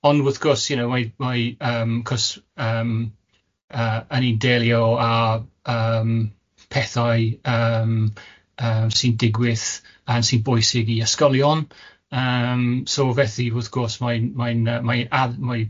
Ond wrth gwrs you know mae mae yym cos yym yy y'n ni'n delio â yym pethau yym yy sy'n digwydd a sy'n bwysig i ysgolion, yym so felly wrth gwrs mae'n mae'n yy mae'n add- mae'n